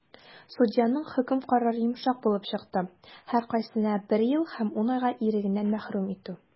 Судьяның хөкем карары йомшак булып чыкты - һәркайсына бер ел һәм 10 айга ирегеннән мәхрүм итү.